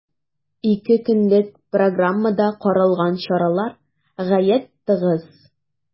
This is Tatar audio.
Ике көнлек программада каралган чаралар гаять тыгыз.